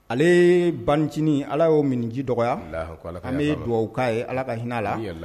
Ale bancinin allah y'o miniji dɔgɔya, an bɛ dugawu k'a ye allah ka hinɛ a a.